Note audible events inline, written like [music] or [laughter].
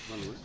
[hesitation] [hesitation]